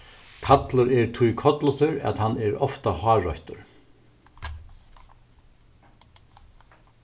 kallur er tí kollutur at hann er ofta hárroyttur